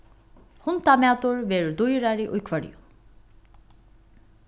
hundamatur verður dýrari í hvørjum